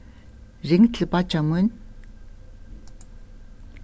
ring til beiggja mín